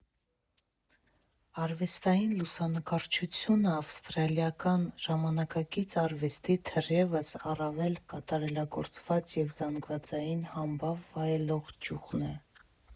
Արվեստային լուսանկարչությունը ավստրալիական ժամանակակից արվեստի թերևս առավել կատարելագործված և զանգվածային համբավ վայելող ճյուղն է։